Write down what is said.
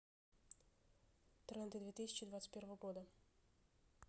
тренды две тысячи двадцать первого года